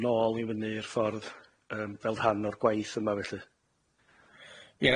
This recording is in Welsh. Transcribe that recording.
yn ôl i fyny i'r ffordd yym fel rhan o'r gwaith yma felly.